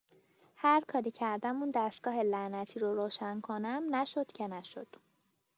هر کاری کردم اون دستگاه لعنتی رو روشن کنم، نشد که نشد!